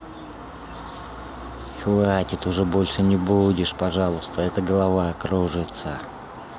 хватит уже больше не будешь пожалуйста это голова кружится